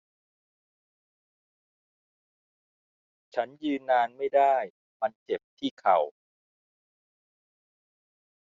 ฉันยืนนานไม่ได้มันเจ็บที่เข่า